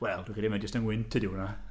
Wel, dwi'n credu mai jyst 'y ngwynt i ydy hwnna!